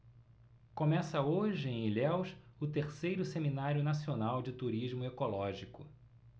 começa hoje em ilhéus o terceiro seminário nacional de turismo ecológico